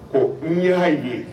Ko n'i y'a ye